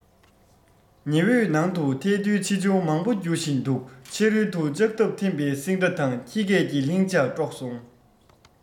ཉི འོད ནང དུ ཐལ རྡུལ ཆེ ཆུང མང པོ རྒྱུ བཞིན འདུག ཕྱི རོལ དུ ལྕགས ཐག འཐེན པའི སིང སྒྲ དང ཁྱི སྐད ཀྱིས ལྷིང འཇགས དཀྲོགས སོང